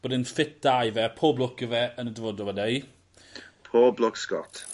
bod e'n ffit da i fe a pob lwc i fe yn y dyfodol weda' i. Pob lwc Scott.